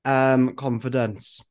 Yym, confidence